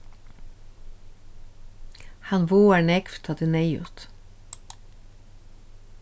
hann vágar nógv tá tað er neyðugt